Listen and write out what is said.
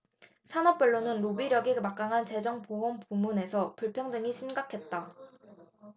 산업별로는 로비력이 막강한 재정 보험 부문에서 불평등이 심각했다